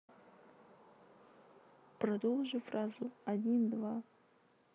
продолжи фразу один два